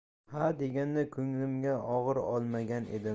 hadeganda ko'nglimga og'ir olmagan edim